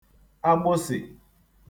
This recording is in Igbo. àgbụsị̀